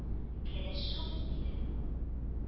– кәләш шул! – диде